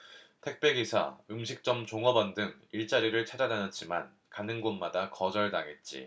택배 기사 음식점 종업원 등 일자리를 찾아다녔지만 가는 곳마다 거절당했지